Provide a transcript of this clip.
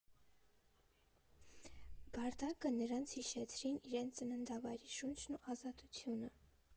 «Բարդակը» նրանց հիշեցրեց իրենց ծննդավայրի շունչն ու ազատությունը։